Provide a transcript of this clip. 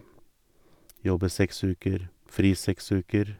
Jobbe seks uker, fri seks uker.